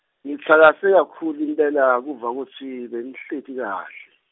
Ngitsakase kakhulu impela, kuva kutsi, benihleti kahle.